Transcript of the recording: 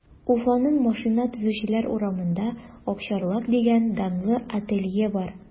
Уфаның Машина төзүчеләр урамында “Акчарлак” дигән данлы ателье бар.